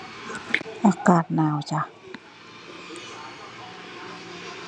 อากาศหนาวจ้ะ